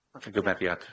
Bach o gymeriad.